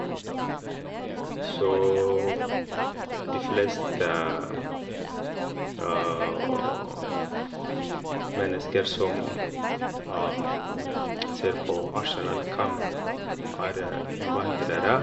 Så de fleste mennesker som ser på Arsenal-kamp, er innvandrere.